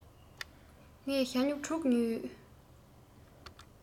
ངས ཞྭ སྨྱུག དྲུག ཉོས ཡོད